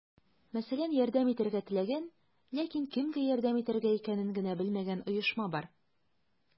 Мәсәлән, ярдәм итәргә теләгән, ләкин кемгә ярдәм итергә икәнен генә белмәгән оешма бар.